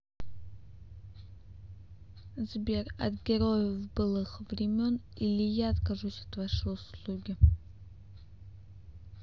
сбер от героев былых времен или я откажусь от вашей услуги